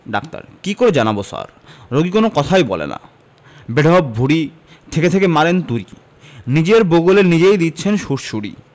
doctor কি করে জানব স্যার রোগী কোন কথাই বলে না বেঢপ ভূঁড়ি থেকে থেকে মারেন তুড়ি নিজের বগলে নিজেই দিচ্ছেন সুড়সুড়ি